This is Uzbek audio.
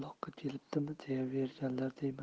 uloqqa kelibdi deyaveringlar deyman